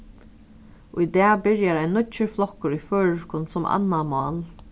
í dag byrjar ein nýggjur flokkur í føroyskum sum annað mál